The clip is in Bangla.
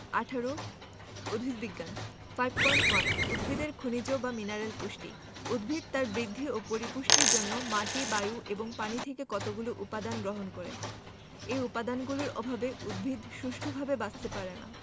১৭ উদ্ভিদ বিজ্ঞান 5.1 উদ্ভিদের খনিজ পুষ্টি Plant Mineral Nutrition উদ্ভিদ তার বৃদ্ধি ও পরিপুষ্টির জন্য মাটি বায়ু এবং পানি থেকে কতগুলো উপদান গ্রহণ করে এ উপাদানগুলোর অভাবে উদ্ভিদ সুষ্ঠুভাবে বাঁচতে পারে না